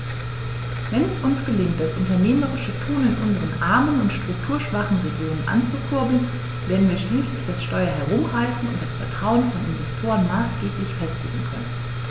Wenn es uns gelingt, das unternehmerische Tun in unseren armen und strukturschwachen Regionen anzukurbeln, werden wir schließlich das Steuer herumreißen und das Vertrauen von Investoren maßgeblich festigen können.